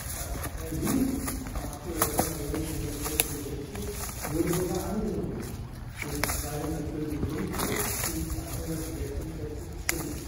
Das „ Ersuchen “am 8. November 1966 wurde sogar angenommen, mit 255 zu 246 Stimmen